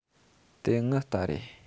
དེ ངའི རྟ རེད